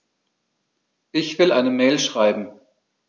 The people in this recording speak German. Ich will eine Mail schreiben.